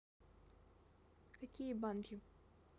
какие банки